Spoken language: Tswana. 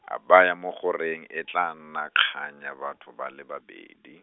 a baya mo go reng e tla nna kgang ya batho ba le babedi.